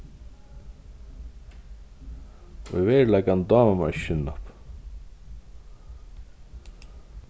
í veruleikanum dámar mær ikki sinnop